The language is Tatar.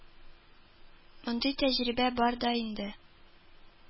Мондый тәҗрибә бар да инде